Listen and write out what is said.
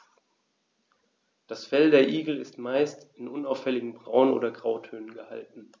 Das Fell der Igel ist meist in unauffälligen Braun- oder Grautönen gehalten.